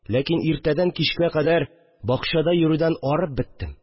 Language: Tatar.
Ләкин иртәдән кичкә кадәр бакчада йөрүдән арып беттем.